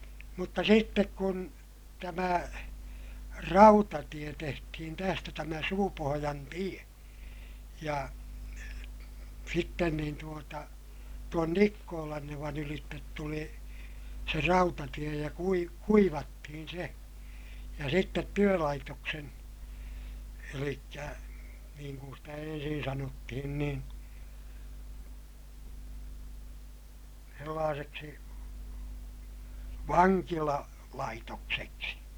mutta sitten kun tämä rautatie tehtiin tästä tämä Suupohjan tie ja sitten niin tuota tuon Nikkolannevan ylitse tuli se rautatie ja - kuivattiin se ja sitten työlaitoksen eli niin kuin sitä ensin sanottiin niin sellaiseksi - vankilalaitokseksi